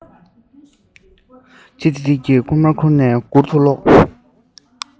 ལྗིད ཏིག ཏིག གི ཁུག མ ཁུར ནས གུར དུ ལོག